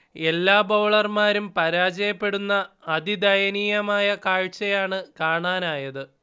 എല്ലാ ബൌളർമാരും പരാജയപ്പെടുന്ന അതിദയനീയമായ കാഴ്ചയാണ് കാണാനായത്